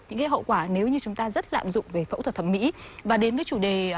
những hậu quả nếu như chúng ta rất lạm dụng về phẫu thuật thẩm mỹ và đến với chủ đề